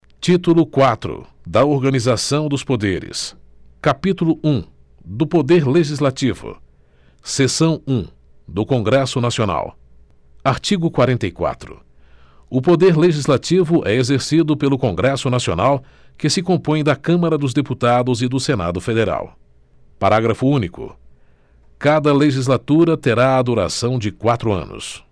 título quatro da organização dos poderes capítulo um do poder legislativo seção um do congresso nacional artigo quarenta e quatro o poder legislativo é exercido pelo congresso nacional que se compõe da câmara dos deputados e do senado federal parágrafo único cada legislatura terá a duração de quatro anos